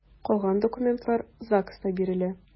Калган документлар ЗАГСта бирелә.